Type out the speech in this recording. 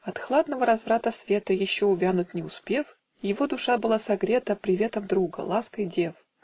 От хладного разврата света Еще увянуть не успев, Его душа была согрета Приветом друга, лаской дев